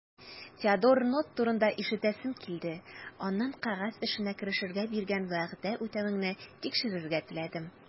Теодор Нотт турында ишетәсем килде, аннан кәгазь эшенә керешергә биргән вәгъдә үтәвеңне тикшерергә теләдем.